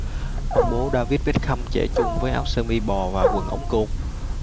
ông bố david beckham trẻ trung với áo sơ mi bò và quần ống côn